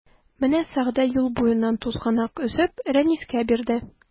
Менә Сәгъдә юл буеннан тузганак өзеп Рәнискә бирде.